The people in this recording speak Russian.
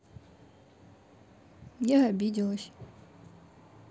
я обиделась